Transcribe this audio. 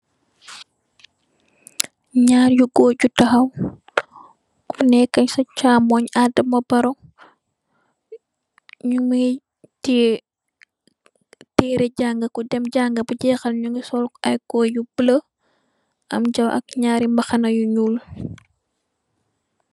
Naari goor yu taxaw ko neka si cxamun Adama Barrow nugi tiyex tere janga ku dem janga ba jexaal nyugi sol ay kol yu bulu am jaw ak naari mbahana yu nuul.